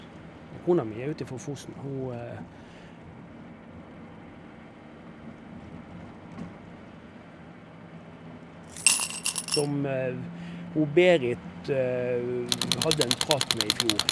Kona mi er ut ifra Fosen, hun som hun Berit hadde en prat med i fjor.